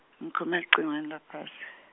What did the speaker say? ngikhuluma elucingweni laphasi.